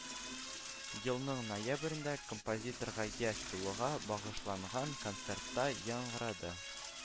Елның ноябрендә композиторга яшь тулуга багышланган концертта яңгырады